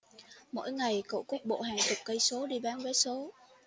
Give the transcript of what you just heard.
mỗi ngày cụ cuốc bộ hàng chục cây số đi bán vé số